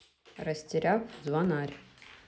растеряев звонарь